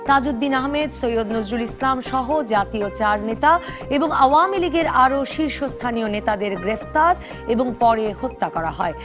তাজউদ্দিন আহমেদ সৈয়দ নজরুল ইসলাম সহ জাতীয় চার নেতা এবং আওয়ামী লীগের আরো শীর্ষস্থানীয় নেতা দের গ্রেফতার এবং পরে হত্যা করা হয়